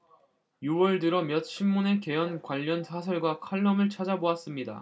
유 월 들어 몇 신문의 개헌 관련 사설과 칼럼을 찾아 보았습니다